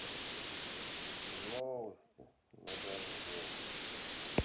новости на дожде